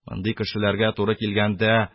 Мондый кешеләргә туры килгәндә,